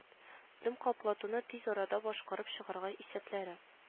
Дым каплатуны тиз арада башкарып чыгарга исәпләре